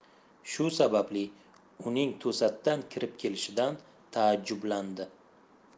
shu sababli uning to'satdan kirib kelishidan taajjublandi